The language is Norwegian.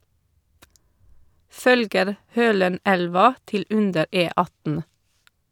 Følger Hølenelva til under E18.